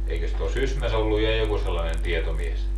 eikös tuolla Sysmässä ollut ja joku sellainen tietomies